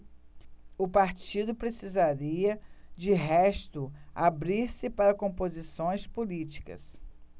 o partido precisaria de resto abrir-se para composições políticas